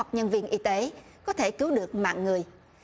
hoặc nhân viên y tế có thể cứu được mạng người